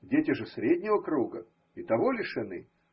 Дети же среднего круга и того лишены.